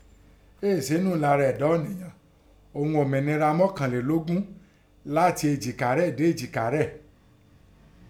Kì í ṣe nínú ìlara ẹ̀dá ènìyàn, pẹ̀lú òmìnira mọ́kànlélógún, láti èjìká rẹ̀ dé èjìká rẹ̀.